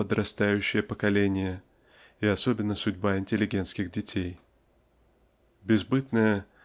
подрастающее поколение и особенно судьба интеллигентских детей. Безбытная